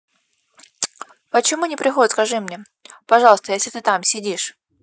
почему не приходит скажи мне пожалуйста если ты там сидишь